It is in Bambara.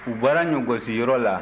u bɔra ɲɔgosiyɔrɔ la